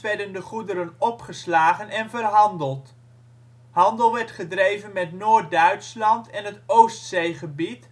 werden de goederen opgeslagen en verhandeld. Handel werd gedreven met Noord-Duitsland en het Oostzee-gebied,